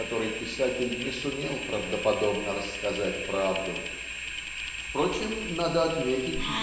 в которой писатель не сумел правдоподобно рассказать правду. Впрочем надо отметить